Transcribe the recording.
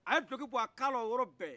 a ye dulɔki bɔ a kan na o yɔrɔ bɛɛ